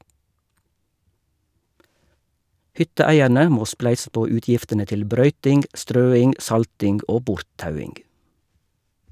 Hytteeierne må spleise på utgiftene til brøyting, strøing, salting og borttauing.